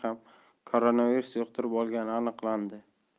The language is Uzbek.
ham koronavirus yuqtirib olgani aniqlandi